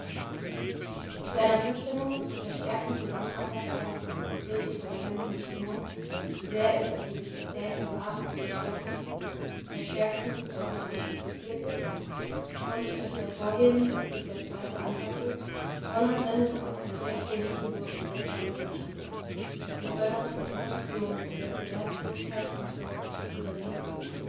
Mit seiner Zustimmung zur verstärkten Zusammenarbeit zeigt das Europäische Parlament nicht nur, wie sehr es an diesem speziellen Verfahren zur verstärkten Zusammenarbeit interessiert ist - und ich möchte hervorheben, dass dies der zweite Antrag ist -, sondern sendet auch eine sehr positive und sehr klare Botschaft aus, was die Förderung der Innovation und der Wettbewerbsfähigkeit unserer Unternehmen angeht.